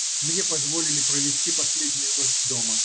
Мне позволили провести последнюю ночь дома